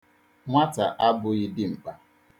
Nwata abụghị dimkpa.